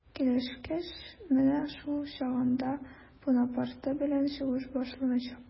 Килешкәч, менә шул чагында Бунапарте белән сугыш башланачак.